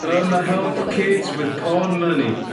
Urma help kids with porn money.